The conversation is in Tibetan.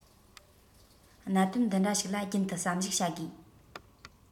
གནད དོན འདི འདྲ ཞིག ལ རྒྱུན དུ བསམ གཞིགས བྱ དགོས